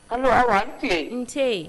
Ala nse